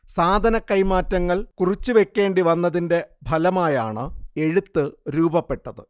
സാധനക്കൈമാറ്റങ്ങൾ കുറിച്ചുവെക്കേണ്ടിവന്നത്തിന്റെ ഫലമായാണ് എഴുത്ത് രൂപപ്പെട്ടത്